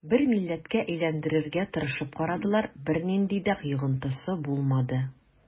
Бер милләткә әйләндерергә тырышып карадылар, бернинди дә йогынтысы булмады.